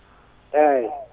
eyyi